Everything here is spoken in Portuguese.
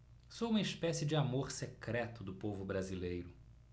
sou uma espécie de amor secreto do povo brasileiro